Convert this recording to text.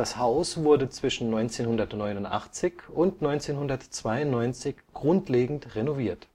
Haus wurde zwischen 1989 und 1992 grundlegend renoviert